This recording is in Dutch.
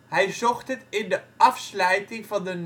Hij zocht het in de ' afslijting ' van de